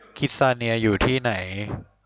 คิดส์ซาเนียอยู่ที่ไหน